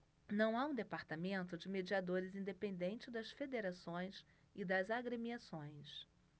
não há um departamento de mediadores independente das federações e das agremiações